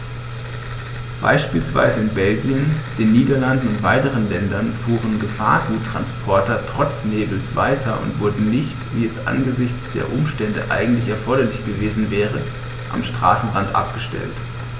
Beispielsweise in Belgien, den Niederlanden und weiteren Ländern fuhren Gefahrguttransporter trotz Nebels weiter und wurden nicht, wie es angesichts der Umstände eigentlich erforderlich gewesen wäre, am Straßenrand abgestellt.